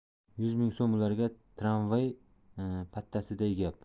yuz ming so'm ularga tramvay pattasiday gap